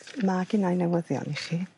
Ma' ginnai newyddion i chi.